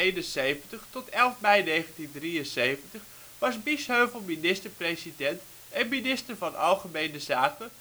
1971 tot 11 mei 1973 was Biesheuvel minister-president en minister van Algemene Zaken